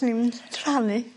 ...dwi'm t- t- rhannu.